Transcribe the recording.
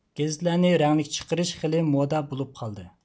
گېزىتلەرنى رەڭلىك چىقىرىش خېلى مودا بولۇپ قالدى